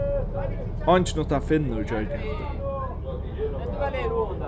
eingin uttan finnur gjørdi hatta